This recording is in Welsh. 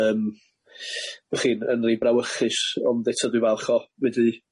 yym w'ch chi'n rei brawychus ond eto dwi falch o fedru